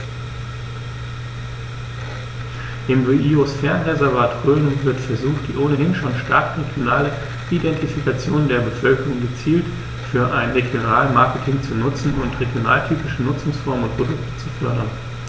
Im Biosphärenreservat Rhön wird versucht, die ohnehin schon starke regionale Identifikation der Bevölkerung gezielt für ein Regionalmarketing zu nutzen und regionaltypische Nutzungsformen und Produkte zu fördern.